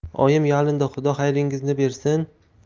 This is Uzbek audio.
oyim yalindi xudo xayringizni bersin